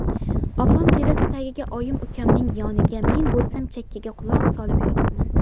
opam deraza tagiga oyim ukamning yoniga men bo'lsam chakkaga quloq solib yotibman